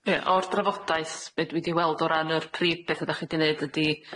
Ia, o'r drafodaeth, be' dwi 'di weld o ran yr prif betha dach chi 'di neud ydi,